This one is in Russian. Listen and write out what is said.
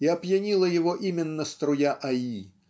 и опьянила его именно струя Аи